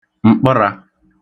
m̀kparā